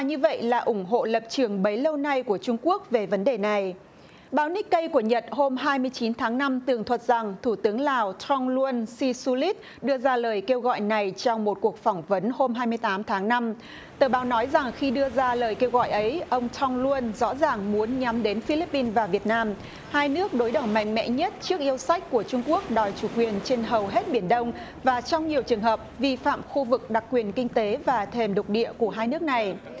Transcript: như vậy là ủng hộ lập trường bấy lâu nay của trung quốc về vấn đề này báo ních cây của nhật hôm hai mươi chín tháng năm tường thuật rằng thủ tướng lào thoong luôn xi xu lít đưa ra lời kêu gọi này trong một cuộc phỏng vấn hôm hai mươi tám tháng năm tờ báo nói rằng khi đưa ra lời kêu gọi ấy ông thoong luôn rõ ràng muốn nhắm đến phi líp pin và việt nam hai nước đối đầu mạnh mẽ nhất trước yêu sách của trung quốc đòi chủ quyền trên hầu hết biển đông và trong nhiều trường hợp vi phạm khu vực đặc quyền kinh tế và thềm lục địa của hai nước này